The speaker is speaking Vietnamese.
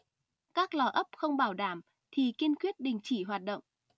các lò ấp không bảo đảm thì kiên quyết đình chỉ hoạt động